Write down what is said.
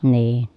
niin